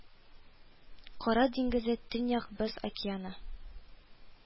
Кара диңгезе, Төньяк Боз океаны